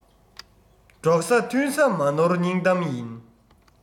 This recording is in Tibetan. འགྲོགས ས མཐུན ས མ ནོར སྙིང གཏམ ཡིན